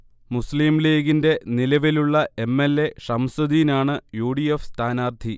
മുസ്ലിം ലീഗിന്റെ നിലവിലുള്ള M. L. A. Shamsuddin ആണ് യൂ. ഡി. എഫ്. സ്ഥാനാർത്ഥി